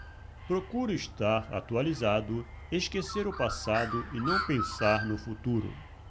procuro estar atualizado esquecer o passado e não pensar no futuro